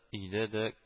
Өйдә дә